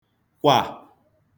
kwà